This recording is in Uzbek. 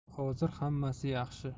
hozir hammasi yaxshi